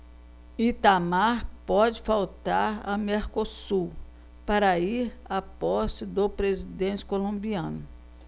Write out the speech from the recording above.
itamar pode faltar a mercosul para ir à posse do presidente colombiano